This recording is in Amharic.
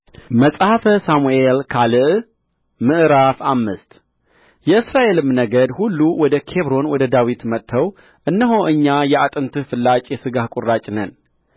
መጽሐፈ ሳሙኤል ካል ምዕራፍ አምስት የእስራኤልም ነገድ ሁሉ ወደ ኬብሮን ወደ ዳዊት መጥተው እነሆ እኛ የአጥንትህ ፍላጭ የሥጋህ ቍራጭ ነን